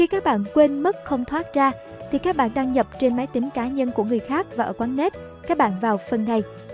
khi các bạn quên mất không thoát zalo ra các bạn đăng nhập trên máy tính cá nhân của người khác và ở quán nét thì các bạn vào phần này